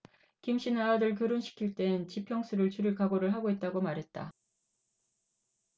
김씨는 아들 결혼시킬 땐 집 평수를 줄일 각오를 하고 있다고 말했다